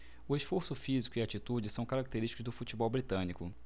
o esforço físico e a atitude são característicos do futebol britânico